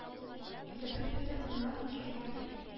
Илле дүрт бөтен уннан ике һәм